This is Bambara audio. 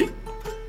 ye